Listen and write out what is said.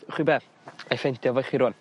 'Wch chi beth 'nai ffeindio fo i chi rŵan.